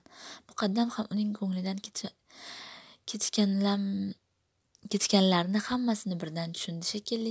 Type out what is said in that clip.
muqaddam ham uning ko'nglidan kechganlarining hammasini birdan tushundi shekilli